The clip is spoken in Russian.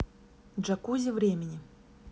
джакузи времени